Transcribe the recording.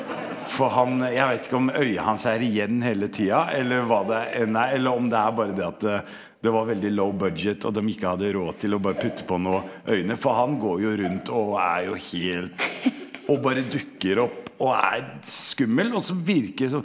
for han jeg veit ikke om øya hans er igjen hele tida, eller hva det enn er eller om det er bare det at det var veldig og dem ikke hadde råd til å bare putte på noe øyne, for han går jo rundt og er jo helt og bare dukker opp og er skummel og så virker det som.